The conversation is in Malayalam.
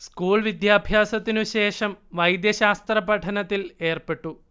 സ്കൂൾ വിദ്യാഭ്യാസത്തിനുശേഷം വൈദ്യശാസ്ത്ര പഠനത്തിൽ ഏർപ്പെട്ടു